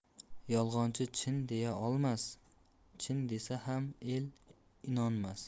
yolg'onchi chin deyaolmas chin desa ham el inonmas